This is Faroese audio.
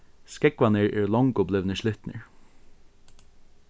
skógvarnir eru longu blivnir slitnir